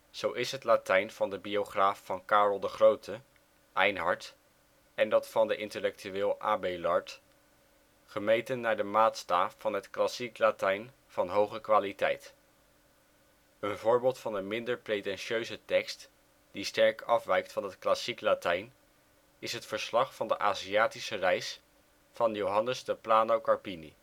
Zo is het Latijn van de biograaf van Karel de Grote, Einhard, en dat van de intellectueel Abélard, gemeten naar de maatstaf van het klassiek Latijn van hoge kwaliteit. Een voorbeeld van een minder pretentieuze tekst die sterk afwijkt van het klassiek Latijn, is het verslag van de Aziatische reis van Johannes de Plano Carpini